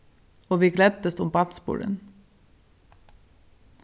og vit gleddust um barnsburðin